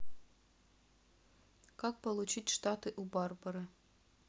как получить штаты у барбары